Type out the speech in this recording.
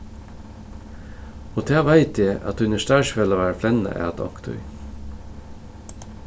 og tað veit eg at tínir starvsfelagar flenna at onkuntíð